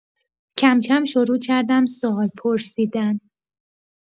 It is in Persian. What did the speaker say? کم‌کم شروع کردم سوال پرسیدن.